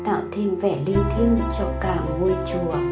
tạo thêm vẻ linh thiêng cho cả ngôi chùa